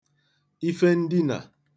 ife ndinà